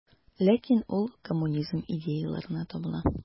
Ләкин ул коммунизм идеяләренә табына.